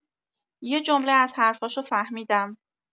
یه جمله از حرفاشو فهمیدم